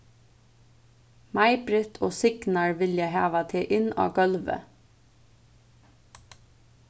majbritt og signar vilja hava teg inn á gólvið